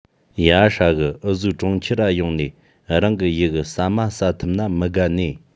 ཡ ཧྲ གི ངུ བཟོ གྲོང ཁྱེར ར ཡོང ངས རང གི ཡུལ གི ཟ མ ཟ ཐུབ ན མི དགའ ནིས